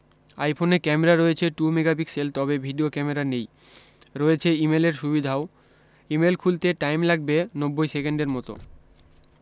আইফোনে ক্যামেরা রয়েছে two megapixel তবে ভিডিও ক্যামেরা নেই রয়েছে ইমেলের সুবিধাও ইমেল খুলতে টাইম লাগবে নব্বই সেকেন্ডের মত